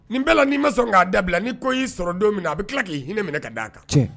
Ni bɛɛ la n'i ma sɔn k'a dabila ni ko y'i sɔrɔ don min na a bɛ tila k'i hinɛ minɛ ka d a kan